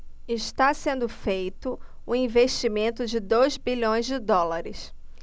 está sendo feito um investimento de dois bilhões de dólares